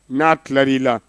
N'a tila i la